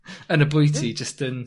yn y bwyty jyst yn...